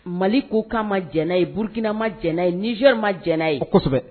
Mali k kokana ma j ye burukinama j ye nizo ma j ye o kosɛbɛ